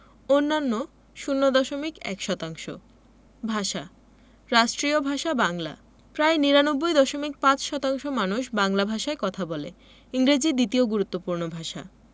অন্যান্য ০দশমিক ১ শতাংশ ভাষাঃ রাষ্ট্রীয় ভাষা বাংলা প্রায় ৯৯দশমিক ৫শতাংশ মানুষ বাংলা ভাষায় কথা বলে ইংরেজি দ্বিতীয় গুরুত্বপূর্ণ ভাষা